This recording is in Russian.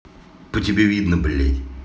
по тебе видно блядь